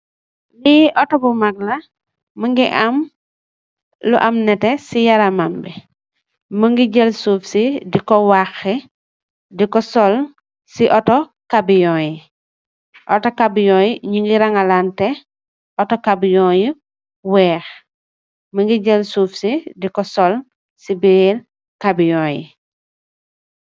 Li autor bu mak la mungi am lu neteh si yaramam bi munge jel suff si diku wakhi diku sul si autor cabiun bi autor cabiun yi nyunge rangalante bu wekh munge jel suff si diku sul si birr cabiun bi